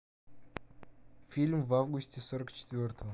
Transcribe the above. фильм в августе сорок четвертого